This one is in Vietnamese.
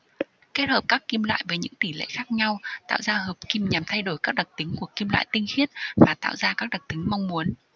kết hợp các kim loại với những tỉ lệ khác nhau tạo ra hợp kim nhằm thay đổi các đặc tính của kim loại tinh khiết và tạo ra các đặc tính mong muốn